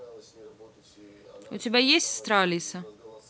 у тебя есть сестра алиса